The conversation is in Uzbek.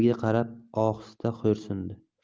yuzlariga qarab ohista xo'rsindi